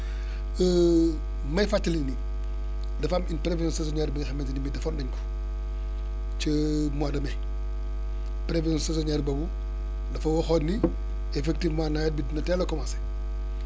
may fàttalii ni dafa am une prévision saisonnière boo xamante ni bii defoon nañ ko ca mois de mai prévision saisonnière boobu dafa waxoon ni effectivement nawet bi dina teel a commencé